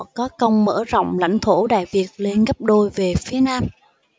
có công mở rộng lãnh thổ đại việt lên gấp đôi về phía nam